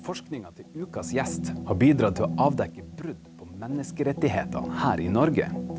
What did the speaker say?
forskninga til ukas gjest har bidratt til å avdekke brudd på menneskerettighetene her i Norge.